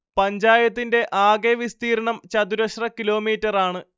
പഞ്ചായത്തിന്റെ ആകെ വിസ്തീർണം ചതുരശ്ര കിലോമീറ്ററാണ്